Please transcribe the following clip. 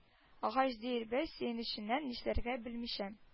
Агач ди ибрай сөенеченнән нишләргә белмичә